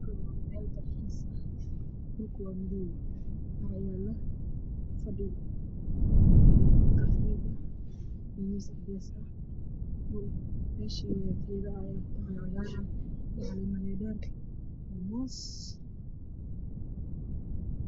Waxaa ii muuqda meel maqaayad oo qurux badan waxaa yaalla kuraasman geeda ayaa ka baxaayo nin ayaa sii socdo oo wato fanaanad